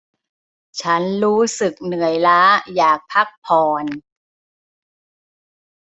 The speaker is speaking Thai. ฉันรู้สึกเหนื่อยล้าอยากพักผ่อน